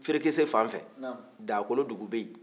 ferekese fanfɛ daakolondugu bɛ yen